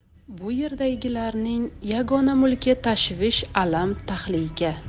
bu yerdagilarning yagona mulki tashvish alam tahlika